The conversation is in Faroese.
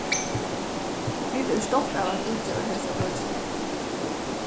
vit eru stolt av at útgeva hesa bókina